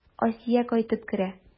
Асия кайтып керә.